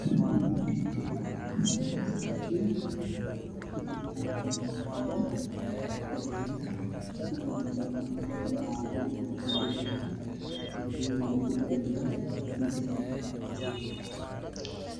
Meeshan waxaa yaalo labo katiin oo midabkooda dahab yahay miis cadaan ay saaranyihiin